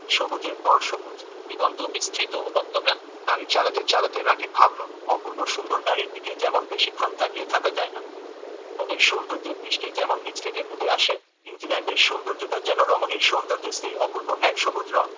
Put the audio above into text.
সবুজের পর সবুজ দিগন্ত বিস্তৃত উপত্যকা গাড়ি চালাতে চালাতে রাকিব ভাবল অপূর্ব সুন্দর নারীর দিকে যেমন বেশিক্ষণ তাকিয়ে থাকা যায় না ওদের সৌন্দর্যে দৃষ্টি যেমন নিজ থেকে মুদে আসে নিউজিল্যান্ডের সৌন্দর্যটা যেন রমণীর সৌন্দর্যের সেই অপূর্ব এক সবুজ রং